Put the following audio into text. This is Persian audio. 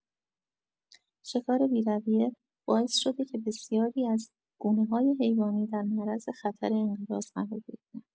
شکار بی‌رویه، باعث شده که بسیاری از گونه‌های حیوانی در معرض خطر انقراض قرار بگیرن.